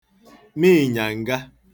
me ị̀nyàǹga